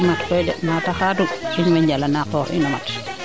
i mat koy de naate xaadu in wey njala na a qoox ino mat